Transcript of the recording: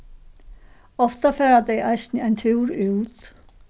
ofta fara tey eisini ein túr út